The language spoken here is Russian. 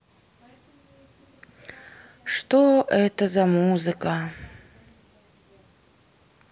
что это за музыка